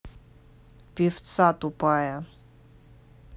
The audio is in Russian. певца тупая